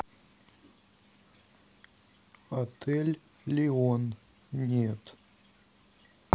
отель лион нет